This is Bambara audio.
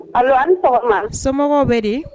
Ayiwa tɔgɔ somɔgɔw bɛ de